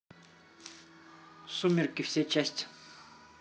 сумерки все части